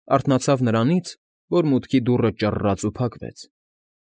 Արթնացավ նրանից, որ մուտքի դուռը ճռռաց ու փակվեց։